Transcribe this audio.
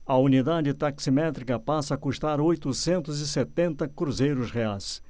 a unidade taximétrica passa a custar oitocentos e setenta cruzeiros reais